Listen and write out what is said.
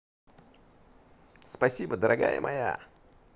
спасибо дорогая моя